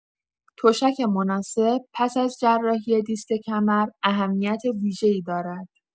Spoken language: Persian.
تشک مناسب پس از جراحی دیسک کمر اهمیت ویژه‌ای دارد.